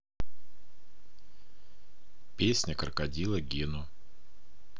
песня крокодила гену